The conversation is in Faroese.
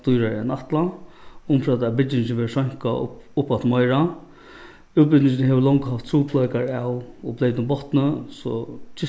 dýrari enn ætlað umframt at byggingin verður seinkað upp upp aftur meira útbyggingin hevur longu havt trupulleikar av ov bleytum botni so